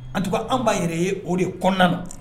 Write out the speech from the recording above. An tun anba yɛrɛ ye o de kɔnɔna na